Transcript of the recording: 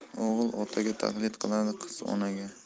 o'g'il otaga taqlid qiladi qiz onaga